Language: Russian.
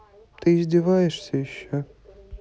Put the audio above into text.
ты издеваешься еще